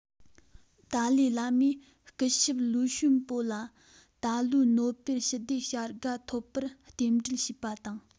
ཏཱ ལའི བླ མས སྐུ ཞབས ལིའུ ཞའོ པོ ལ ད ལོའི ནོ པེལ ཞི བདེའི བྱ དགའ ཐོབ པར རྟེན འབྲེལ ཞུས པ དང